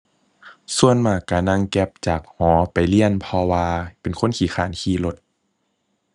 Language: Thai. ส่วนมากก็นั่ง Grab จากหอไปเรียน เพราะว่าเป็นคนขี้คร้านขี่รถ